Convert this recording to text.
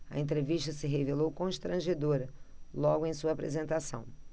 a entrevista se revelou constrangedora logo em sua apresentação